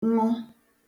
ṅụ